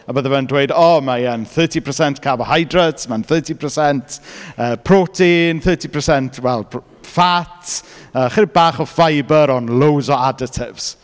A bydde fe'n dweud, o mae e'n thirty per cent carbohydrate thirty per cent er protein thirty per cent wel rw- fat, yy ‘chydig bach o ffeibr ond loads o additives.